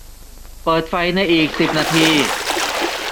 เปิดไฟในอีกสิบนาที